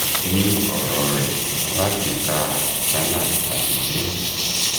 Ni ọ̀rọ̀ọ rẹ̀ alágbèékáa Jannat Ali ní: